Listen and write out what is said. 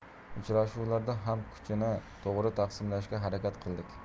uchrashuvlarda ham kuchni to'g'ri taqsimlashga harakat qildik